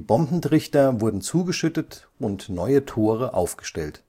Bombentrichter wurden zugeschüttet und neue Tore aufgestellt.